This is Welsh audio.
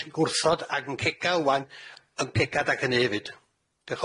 sy'n gwrthod ag yn cega ŵan yn cega adag hynny 'fyd.